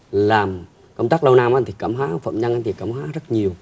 làm công tác lâu năm á thì cảm hóa phạm nhân thì cảm hóa rất nhiều